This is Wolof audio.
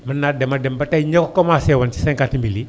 mën naa dem a dem a dem ba tey ñoo ko commencé woon si 50000 yi